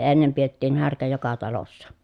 ennen pidettiin härkä joka talossa